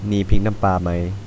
มีพริกน้ำปลาไหม